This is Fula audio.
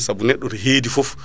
saabu neɗɗo to heedi foof